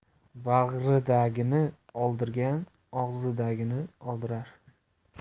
bag'ridagini oldirgan og'zidagini oldirar